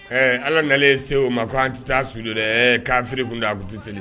Ɛɛ hali an nalen se o ma, ko an tɛ taa su don dɛ, ɛɛ kafiri kun don, a tun tɛ seli